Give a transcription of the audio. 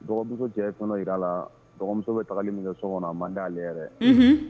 Dɔgɔmuso cɛ fana jira la dɔgɔmuso bɛ tagali min kɛ so kɔnɔ manden ale yɛrɛ